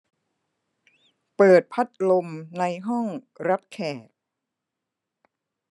เปิดพัดลมในห้องรับแขก